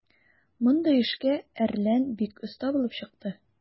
Мондый эшкә "Әрлән" бик оста булып чыкты.